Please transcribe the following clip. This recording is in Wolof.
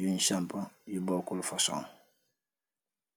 yun sampa yu bogut fosong.